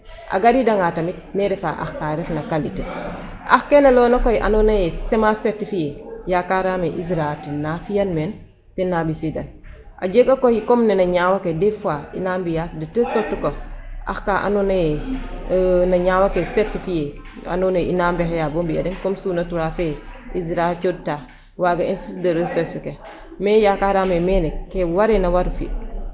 A garidanga tamit ne refee ax kaa ndefna qualité ax kene layoona koy andoona yee semence certifiée yakaaraam ee IZRA ten na fi'an meen, ten na ɓisiidan. A jega koy comme nen a ñaaw ake des fois i naa mbi'aa de tel sorte que ax ka andoona yee no ñaaw ake certifié andoona yee i na mbexeyaa bo mbi'a den comme Suuna Trois fe.